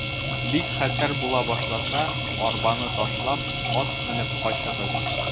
Бик хәтәр була башласа, арбаны ташлап, ат менеп качыгыз.